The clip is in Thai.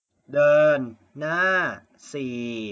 เดินหน้าสี่